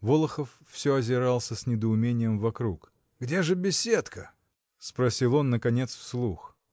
Волохов всё озирался с недоумением вокруг. — Где же беседка? — спросил он наконец вслух.